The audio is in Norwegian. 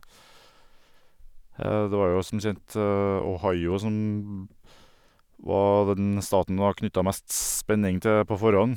Det var jo som kjent Ohio som var den staten det var knytta mest spenning til på forhånd.